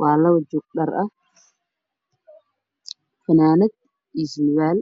Waalaba joog oodhar ah fanaanad io sar waal